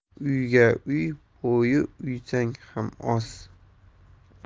uyga uy bo'yi uysang ham oz